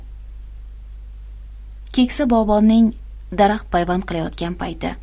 keksa bog'bonning daraxt payvand qilayotgan payti